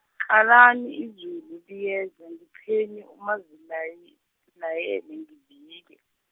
qalani izulu liyeza, ngipheni umazilayi-, layele ngivike.